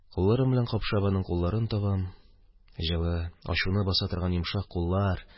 Кулларым белән капшап, аның кулларын табам, – җылы, ачуны баса тора торган йошак куллар.